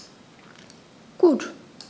Gut.